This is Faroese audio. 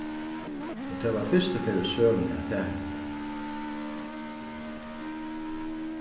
og tað var fyrstu ferð í søguni at tað hendi